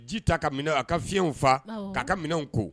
Ji ta ka minɛ a ka fiɲɛw faa k'a ka minɛnw ko.